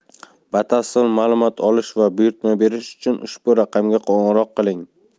batafsil ma'lumot olish va buyurtma berish uchun ushbu raqamga qo'ng'iroq qiling